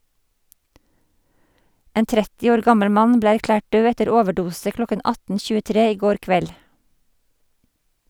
En 30 år gammel mann ble erklært død etter overdose klokken 18.23 i går kveld.